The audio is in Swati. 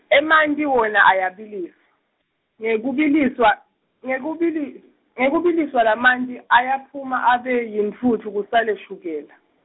emanti wona ayabiliswa, Ngekubiliswa, ngekubilis-, ngekubiliswa lamanti ayaphuma abe, yintfutfu kusale shukela.